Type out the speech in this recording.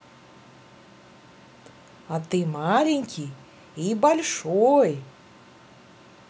а ты маленький и большой